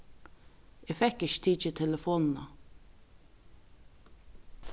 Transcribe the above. eg fekk ikki tikið telefonina